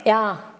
ja.